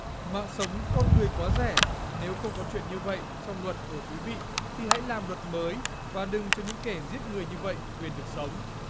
mạng sống con người quá rẻ nếu không có chuyện như vậy trong luật của quý vị thì hãy làm luật mới và đừng cho những kẻ giết người như vậy quyền được sống